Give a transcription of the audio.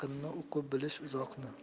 o'qib bilish uzoqni